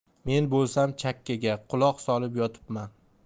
men bo'lsam chakkaga quloq solib yotibman